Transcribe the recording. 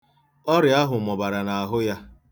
Ọrịa ahụ mụbara n'ahụ ya.